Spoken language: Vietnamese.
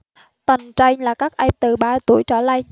tầng trên là các em từ ba tuổi trở lên